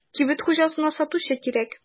Кибет хуҗасына сатучы кирәк.